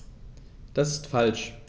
Das ist falsch.